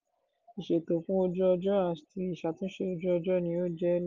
Ìṣẹ̀tọ́ fún ojú-ọjọ́ àti ìṣàtúnṣe ojú-ọjọ́ ni ó jẹ ẹ́ lógún.